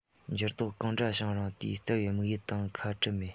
འགྱུར ལྡོག གང འདྲ བྱུང རུང དེའི རྩ བའི དམིགས ཡུལ དང ཁ བྲལ མེད